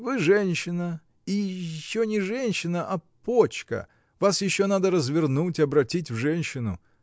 — Вы женщина, и еще не женщина, а почка: вас еще надо развернуть, обратить в женщину.